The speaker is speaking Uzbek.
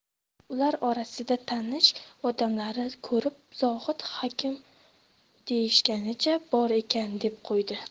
ular orasida tanish odamlarini ko'rib zohid hokim deyishganicha bor ekan deb qo'ydi